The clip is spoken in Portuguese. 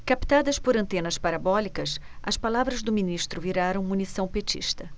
captadas por antenas parabólicas as palavras do ministro viraram munição petista